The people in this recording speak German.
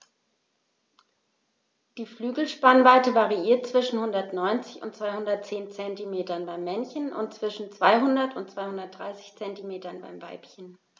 Die Flügelspannweite variiert zwischen 190 und 210 cm beim Männchen und zwischen 200 und 230 cm beim Weibchen.